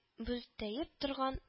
Бүлтәеп торган